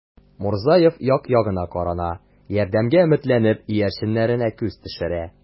Мурзаев як-ягына карана, ярдәмгә өметләнеп, иярченнәренә күз төшерә.